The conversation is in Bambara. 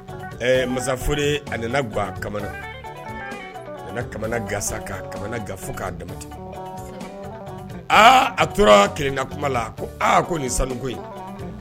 Masaf a nana ga kamana a ka gasa kamana ga fo k'a dama aa a tora kelenka kuma la ko ko nin sanuko